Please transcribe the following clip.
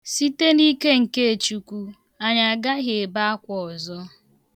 Site n'ike nke Chukwu, anyị agaghị ebe akwa ọzọ.